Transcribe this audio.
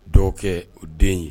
Dɔw kɛ o den ye